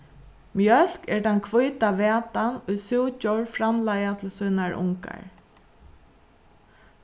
mjólk er tann hvíta vætan ið súgdjór framleiða til sínar ungar